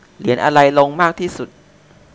เหรียญอะไรลงมากที่สุด